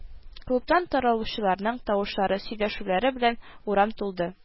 Клубтан таралучыларның тавышлары, сөйләшүләре белән урам тулды